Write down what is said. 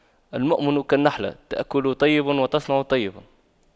المؤمن كالنحلة تأكل طيبا وتضع طيبا